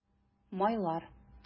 Майлар